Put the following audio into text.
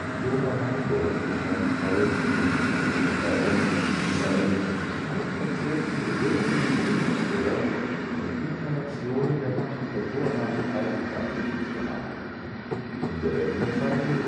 Ijoma Mangold bescheinigt Harris in der Süddeutschen Zeitung, in einem „ spannend erzählten, sehr klugen Polit-Thriller “die „ Inkarnationen der Macht hervorragend eingefangen “zu haben. In der Berliner Zeitung